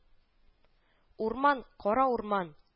Урман, кара урман